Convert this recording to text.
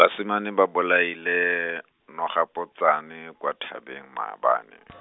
basimane ba bolaile, nogapotsane kwa thabeng maabane .